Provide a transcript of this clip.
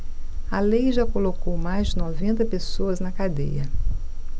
a lei já colocou mais de noventa pessoas na cadeia